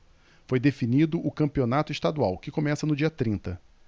foi definido o campeonato estadual que começa no dia trinta